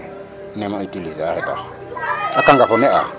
Neem o utiliser a xatax, a kangaf o ni'aa?